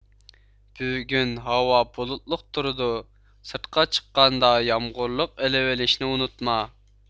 بۈگۈن ھاۋا بۇلۇتلۇق تۇرىدۇ سىرتقا چىققاندا يامغۇرلۇق ئېلىۋېلىشنى ئۇنتۇما